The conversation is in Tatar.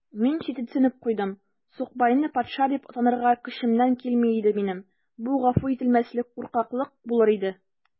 Мин читенсенеп куйдым: сукбайны патша дип танырга көчемнән килми иде минем: бу гафу ителмәслек куркаклык булыр иде.